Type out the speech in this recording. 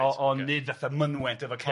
o- ond nid fatha mynwent efo ocê.